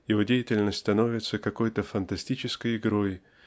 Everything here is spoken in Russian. его деятельность становится какой-то фантастической игрой